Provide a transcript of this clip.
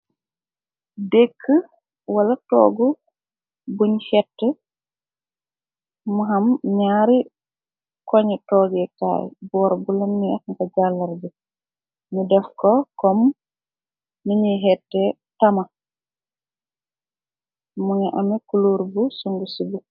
Dëkk wala toog buñ xett mu ham ñaari koñi toogikaay boor bu lenni ax nga jàllar bi nu def ko kom niñuy xette tama mu ngi ame kuluur bu sundu ci bu.